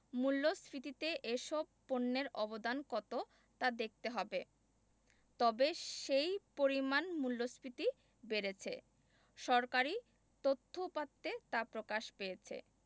মূল্যস্ফীতিতে এসব পণ্যের অবদান কত তা দেখতে হবে তবে সেই পরিমাণ মূল্যস্ফীতি বেড়েছে সরকারি তথ্যউপাত্তে তা প্রকাশ পেয়েছে